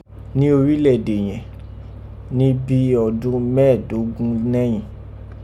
Ní orílẹ̀ èdè yẹ̀n, ni bí ọdọ́n mẹ́ẹ̀ẹ́dógún nẹ́yìn.